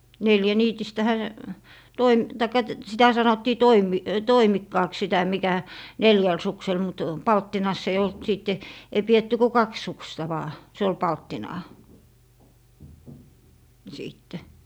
neljäniitistähän - tai - sitä sanottiin - toimikkaaksi sitä mikä neljällä suksella mutta palttinassa ei ollut sitten ei pidetty kuin kaksi suksea vain se oli palttinaa sitten